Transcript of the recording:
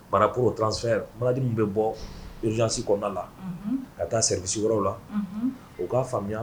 par rapport au transfert, maladie min bɛ bɔ urgence kɔnɔna na, unhun, ka taa service wɛrɛw la, unhun, o ka faamuya